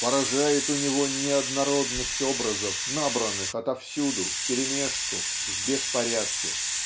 Поражает у него неоднородность образов набранных отовсюду вперемежку в беспорядке.